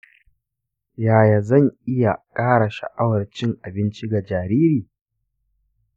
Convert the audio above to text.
yaya zan iya ƙara sha’awar cin abinci ga jariri?